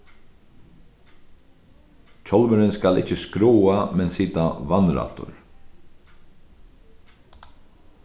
hjálmurin skal ikki skráa men sita vatnrættur